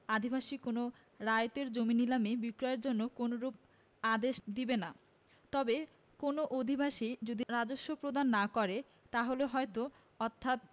আদিবাসী কোন রায়তের জমি নিলামে বিক্রয়ের জন্য কোনরূপ আদেশ দেবেনা তবে কোনও আদিবাসী যদি রাজস্ব প্রদান না করে তাহলে হয়ত অর্থাৎ